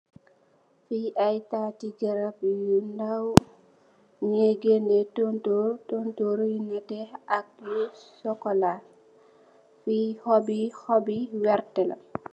Fi ay tati garabb yu ndaw, mingeh gene tontor , tontor yu nete ak yu socola. Bi khobi khobi werta la.